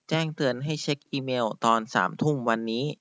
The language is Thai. แจ้งเตือนให้เช็คอีเมล์ตอนสามทุ่มวันนี้